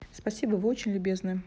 спасибо вы очень любезны